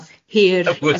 hir.